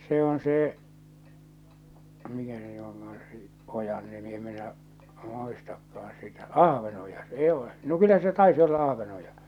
se on se mikä se nyt onkaan se ojan nimi en minä muistakaan sitä Ahvenoja se ei ole no kyllä se taisi olla Ahvenoja